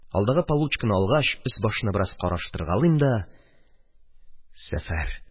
Алдагы получканы алгач, өс-башны бераз караштыргалыйм да – сәфәр.